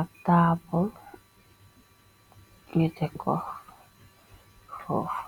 ak taabul nju tek kor fofu.